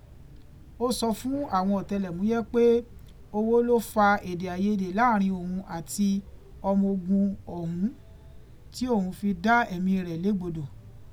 Ó sọ fún àwọn ọ̀tẹlẹ̀múyẹ́ pé owó ló fa èdè àìyedè láàrin òun àti ọmọ ogun ọ̀hún tí òun fi dá ẹ̀mí rẹ̀ légbodò.